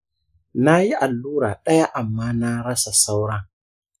na yi allura ɗaya amma na rasa sauran.